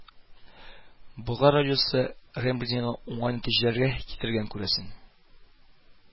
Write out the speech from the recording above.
Болгар радиосы ребрендингы уңай нәтиҗәләргә китергән, күрәсең